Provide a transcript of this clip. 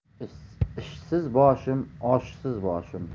ishsiz boshim oshsiz boshim